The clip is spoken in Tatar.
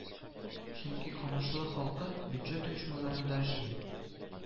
Чөнки Камышлы халкы бюджет оешмаларында эшли